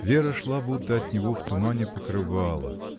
Вера шла будто от него в тумане покрывала